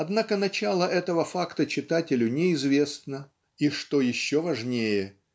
однако начало этого факта читателю неизвестно и что еще важнее